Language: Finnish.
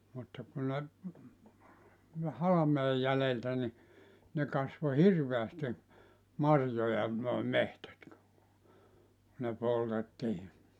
mutta kun ne kun ne halmeen jäljiltä niin ne kasvoi hirveästi marjoja nuo metsät kun ne poltettiin